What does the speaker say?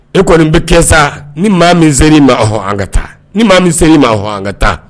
E kɔni be kɛ saa, ni maa min seri ma ɔnhɔn an ka taa. Ni maa min seri ma ɔnhɔn an ka taa .